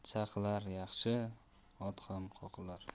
yaxshi ot ham qoqilar